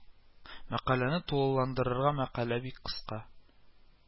Мәкаләне тулыландырырга мәкалә бик кыска